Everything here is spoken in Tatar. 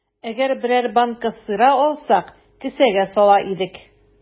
Әгәр берәр банка сыра алсак, кесәгә сала идек.